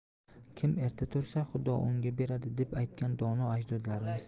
kim erta tursa xudo unga beradi deb aytgan dono ajdodlarimiz